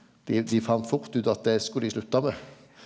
dei dei fant fort ut at det skulle dei slutta med.